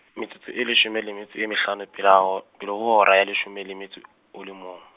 metsotso e leshome le metso e mehlano pele ha hor-, pele ho hora ya leshome le metso o le mong.